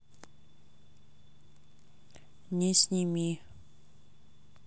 не сними